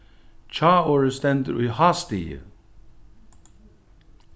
hjáorðið stendur í hástigi